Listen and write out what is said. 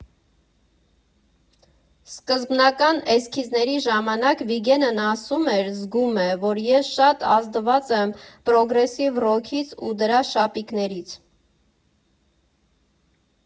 Սկզբնական էսքիզների ժամանակ Վիգենն ասում էր՝ զգում է, որ ես շատ ազդված եմ պրոգրեսիվ ռոքից ու դրա շապիկներից։